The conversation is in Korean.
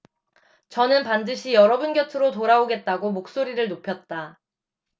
저는 반드시 여러분 곁으로 돌아오겠다고 목소리를 높였다